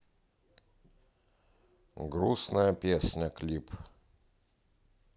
грустная песня клип